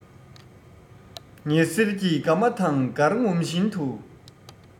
ཉི ཟེར གྱི དགའ མ དང དགར ངོམ བཞིན དུ